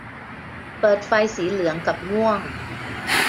เปิดไฟสีเหลืองกับม่วง